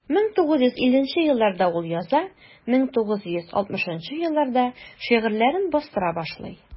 1950 елларда ул яза, 1960 елларда шигырьләрен бастыра башлый.